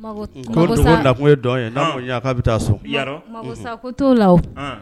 Kun ye ye bɛ taa so t' la